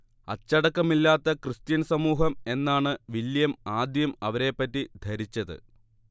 അച്ചടക്കമില്ലാത്ത Christian സമൂഹം എന്നാണ് William ആദ്യം അവരെ പറ്റി ധരിച്ചത്